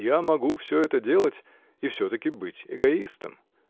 Я могу все это делать -- я все-таки быть эгоистом.